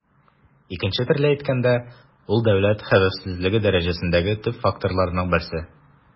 Икенче төрле әйткәндә, ул дәүләт хәвефсезлеге дәрәҗәсендәге төп факторларның берсе.